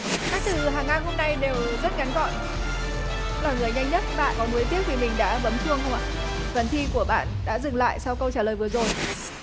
các từ hàng ngang hôm nay đều rất ngắn gọn là người nhanh nhất bạn có nuối tiếc vì mình đã bấm chuông không ạ phần thi của bạn đã dừng lại sau câu trả lời vừa rồi